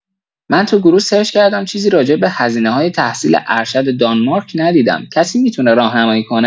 من تو گروه سرچ کردم چیزی راجع‌به هزینه‌های تحصیل ارشد دانمارک ندیدم، کسی می‌تونه راهنمایی کنه؟